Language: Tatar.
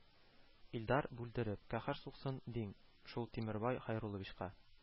Илдар (бүлдереп): Каһәр суксын диң шул Тимербай Хәйрулловичка